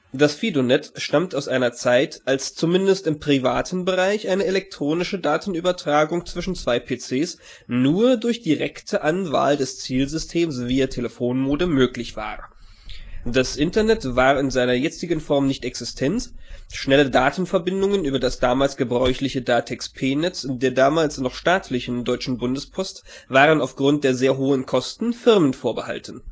Das FidoNet stammt aus einer Zeit, als zumindest im privaten Bereich eine elektronische Datenübertragung zwischen zwei PCs nur durch direkte Anwahl des Zielsystems via Telefonmodem möglich war. Das Internet war in seiner jetzigen Form nicht existent, schnelle Datenverbindungen über das damals gebräuchliche Datex-P-Netz der damals noch staatlichen Deutschen Bundespost waren aufgrund der sehr hohen Kosten Firmen vorbehalten